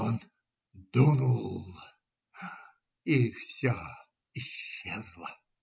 Он дунул, и все исчезло.